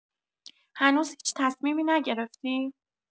هنوز هیچ تصمیمی نگرفتی؟